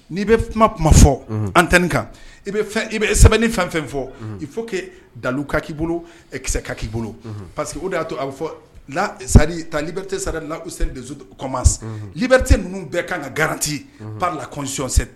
N'i bɛ kuma kuma fɔ an tɛni kan i i bɛ sɛbɛn ni fɛn fɛn fɔ i fo dalu kaki'i bolo kisɛ ka k'i bolo parce que o y'a to a bɛ fɔ la sa talibte sari lasri de kɔma libte ninnu bɛɛ kan ka garanti pan lakɔsɔnsɛ